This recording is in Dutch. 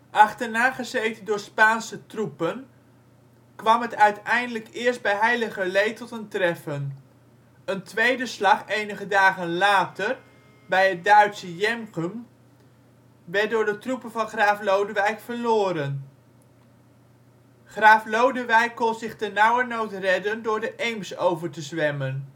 Achterna gezeten door Spaanse troepen kwam het uiteindelijk eerst bij Heiligerlee tot een treffen. Een tweede slag enige dagen later, bij het Duitse Jemgum, werd door de troepen van graaf Lodewijk verloren. Graaf Lodewijk kon zich ternauwernood redden door de Eems over te zwemmen